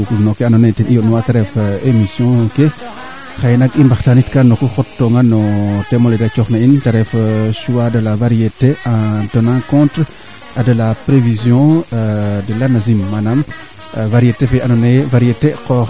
iyo xa loqa xeene ngeenj kaaga njenjo ngeenj a jego ngoolo nge te jopraa iyo maak we a an tooga noyo neene o ngoolo nge warna jeg ñaal xarmbeen tadik net sa soogo sutu maak we ando gaan